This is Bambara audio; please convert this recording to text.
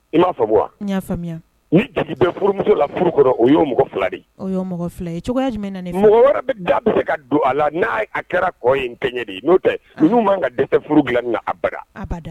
I m'a ni jigi furumuso la furu kɔnɔ o fila mɔgɔ ye mɔgɔ wɛrɛ bɛ da bɛ se ka don a la n'a a kɛra kɔ ye kɛ ɲɛ n'o n ma ka dɛ furu bila a